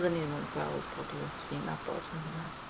Fydden ni ddim yn weld pobl dan ni'n nabod yn hwnna.